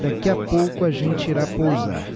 daqui a pouco a gente irá pousar